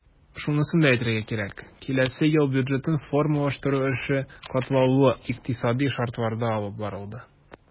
Шунысын да әйтергә кирәк, киләсе ел бюджетын формалаштыру эше катлаулы икътисадый шартларда алып барылды.